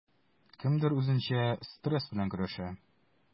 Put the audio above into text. Кемдер үзенчә стресс белән көрәшә.